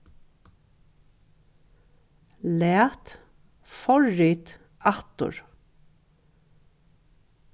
lat forrit aftur